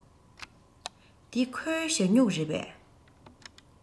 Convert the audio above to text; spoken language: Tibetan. འདི ཁོའི ཞ སྨྱུག རེད པས